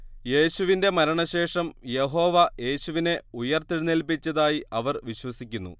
യേശുവിന്റെ മരണശേഷം യഹോവ യേശുവിനെ ഉയർത്തെഴുന്നേൽപ്പിച്ചതായി അവർ വിശ്വസിക്കുന്നു